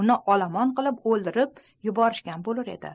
uni olomon qilib o'ldirib yuborishgan bo'lur edi